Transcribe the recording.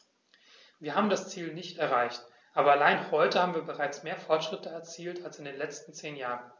Wir haben das Ziel nicht erreicht, aber allein heute haben wir bereits mehr Fortschritte erzielt als in den letzten zehn Jahren.